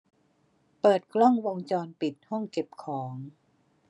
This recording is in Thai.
เปิดกล้องวงจรปิดห้องเก็บของ